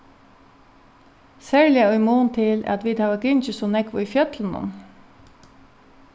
serliga í mun til at vit hava gingið so nógv í fjøllunum